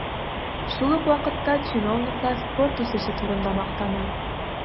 Шул ук вакытта чиновниклар спорт үсеше турында мактана.